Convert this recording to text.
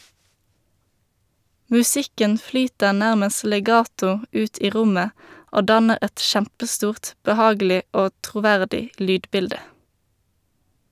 Musikken flyter nærmest legato ut i rommet og danner et kjempestort, behagelig og troverdig lydbilde.